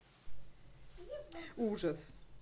ужас